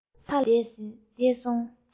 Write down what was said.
ཕར ལ འདས སོང